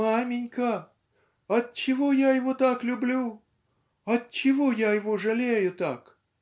"Маменька, отчего я его так люблю? Отчего я его жалею так?